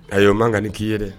Ayiwa o man ka nin k'i ye dɛ